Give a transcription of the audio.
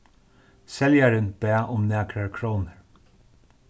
seljarin bað um nakrar krónur